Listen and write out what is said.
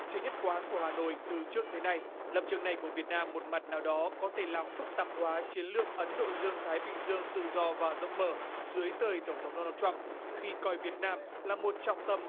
chưa nhất quán của hà nội từ trước tới nay lập trường này của việt nam một mặt nào đó có thể làm phức tạp hóa chiến lược ấn độ dương thái bình dương tự do và rộng mở dưới thời tổng thống đô nan trăm khi coi việt nam là một trọng tâm